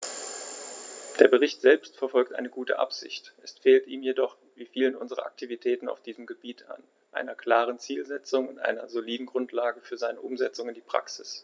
Der Bericht selbst verfolgt eine gute Absicht, es fehlt ihm jedoch wie vielen unserer Aktivitäten auf diesem Gebiet an einer klaren Zielsetzung und einer soliden Grundlage für seine Umsetzung in die Praxis.